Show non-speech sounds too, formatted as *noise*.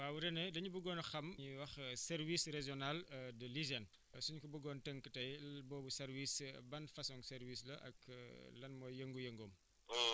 waaw René dañu buggoon a xam li ñuy wax service régional *hesitation* de l' hygène su ñu ko buggoon tënk tey boobu service ban façon service la ak *hesitation* lan mooy yëngu-yëngoom